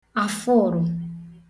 àfụrụ̄